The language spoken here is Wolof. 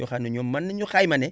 yoo xam ne ñoom mën nañu xayma ne